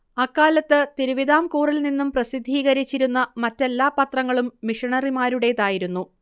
അക്കാലത്ത് തിരുവിതാംകൂറിൽ നിന്നും പ്രസിദ്ധീകരിച്ചിരുന്ന മറ്റെല്ലാ പത്രങ്ങളും മിഷണറിമാരുടേതായിരുന്നു